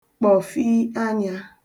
kpọ̀fìi anyā